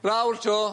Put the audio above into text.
Lawr 'to.